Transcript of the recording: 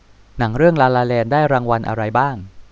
หนังเรื่องลาลาแลนด์ได้รางวัลอะไรบ้าง